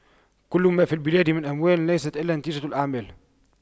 كل ما في البلاد من أموال ليس إلا نتيجة الأعمال